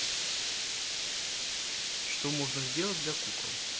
что можно сделать для кукол